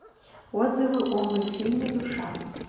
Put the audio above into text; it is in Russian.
отзывы о мультфильме душа